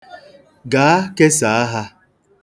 Gaa, kesaa ha.